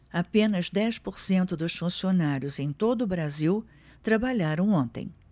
apenas dez por cento dos funcionários em todo brasil trabalharam ontem